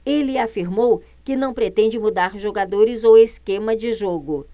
ele afirmou que não pretende mudar jogadores ou esquema de jogo